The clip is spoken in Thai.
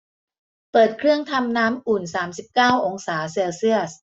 เปิดเครื่องทำน้ำอุ่นสามสิบเก้าองศาเซลเซียส